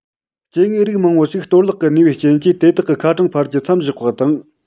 སྐྱེ དངོས རིགས མང པོ ཞིག གཏོར བརླག གི ནུས པའི རྐྱེན གྱིས དེ དག གི ཁ གྲངས འཕར རྒྱུར མཚམས བཞག པ དང